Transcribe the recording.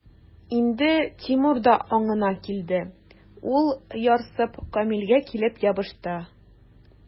Инде Тимур да аңына килде, ул, ярсып, Камилгә килеп ябышты.